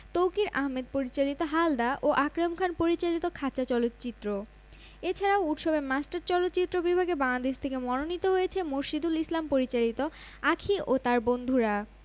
তৌকীর আহমেদ পরিচালিত হালদা ও আকরাম খান পরিচালিত খাঁচা চলচ্চিত্র এছাড়াও উৎসবের মাস্টার চলচ্চিত্র বিভাগে বাংলাদেশ থেকে মনোনীত হয়েছে মোরশেদুল ইসলাম পরিচালিত আঁখি ও তার বন্ধুরা